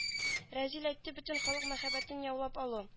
Разил әйтте бөтен халык мәхәббәтен яулап алу